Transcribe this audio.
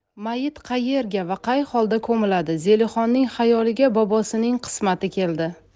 mayit qaerga va qay holda ko'miladi zelixonning xayoliga bobosining qismati keldi